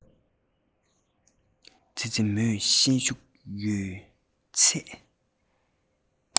ཙི ཙི མོས ཤེད ཤུགས ཡོད རྒུས